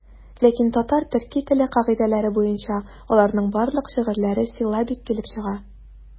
Ләкин татар-төрки теле кагыйдәләре буенча аларның барлык шигырьләре силлабик килеп чыга.